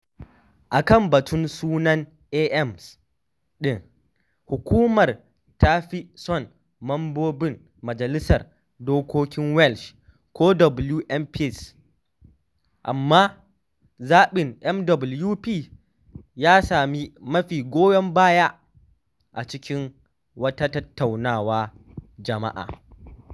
A kan batun sunan AMs ɗin, Hukumar ta fi son Mambobin Majalisar Dokokin Welsh ko WMPs, amma zaɓin MWP ya sami mafi goyon bayan a cikin wata tattaunawar jama’a.